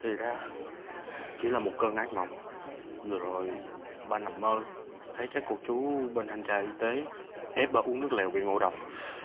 thì ra chỉ là một cơn ác mộng vừa rồi ba nằm mơ thấy các cô chú bên thanh tra y tế ép ba uống nước lèo bị ngộ độc